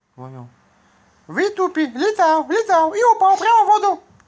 youtube летал летал и упал прямо в воду